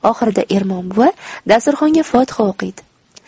oxirida ermon buva dasturxonga fotiha o'qiydi